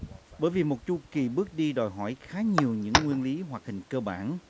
bởi vì một chu kỳ bước đi đòi hỏi khá nhiều những nguyên lý hoạt hình cơ bản